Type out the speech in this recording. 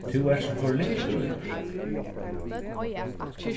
tú ert so forliptur í mær